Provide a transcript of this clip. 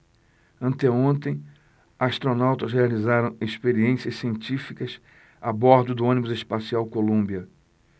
anteontem astronautas realizaram experiências científicas a bordo do ônibus espacial columbia